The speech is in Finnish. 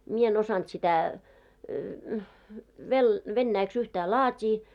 minä en osannut sitä - venäjäksi yhtään laatia